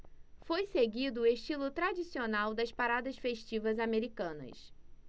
foi seguido o estilo tradicional das paradas festivas americanas